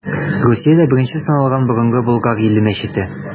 Русиядә беренче саналган Борынгы Болгар иле мәчете.